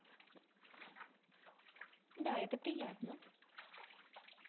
да это приятно